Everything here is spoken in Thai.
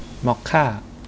มอคค่า